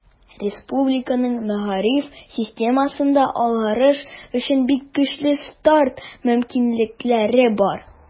Республиканың мәгариф системасында алгарыш өчен бик көчле старт мөмкинлекләре бар.